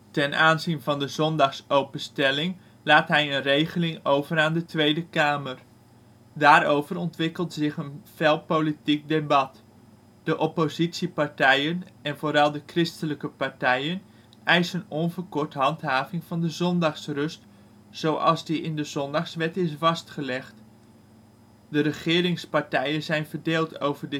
Ten aanzien van de zondagsopenstelling laat hij een regeling over aan de Tweede Kamer. Daarover ontwikkelt zich een fel politiek debat. De oppositiepartijen en vooral de christelijke partijen eisen onverkorte handhaving van de zondagsrust, zoals die in de Zondagswet is vastgelegd. De regeringspartijen zijn verdeeld over